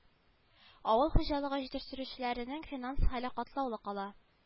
Авыл хуҗалыгы җитештерүчеләренең финанс хәле катлаулы кала